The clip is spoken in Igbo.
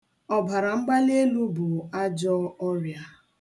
Ọbaramgbalielu bụ ajọọ ọrịa.